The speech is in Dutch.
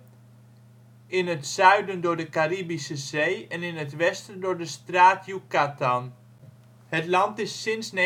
in het zuiden door de Caribische Zee en in het westen door de Straat Yucatan. Het land is sinds 1959